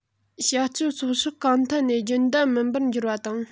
བྱ སྤྱོད སོགས ཕྱོགས གང ཐད ནས རྒྱུན ལྡན མིན པར འགྱུར བ དང